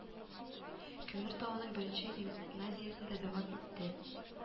Күмертауның беренче гимназиясендә дәвам итте